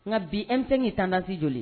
Nka bi an fɛ nintananasi joli